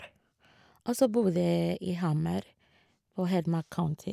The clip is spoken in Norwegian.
Og så bodde i Hammer på Hedmark county.